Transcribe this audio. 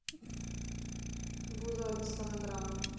бузова без фонограммы